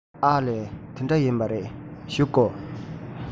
ཨ ལས དེ འདྲ ཡིན པ རེད བཞུགས དགོ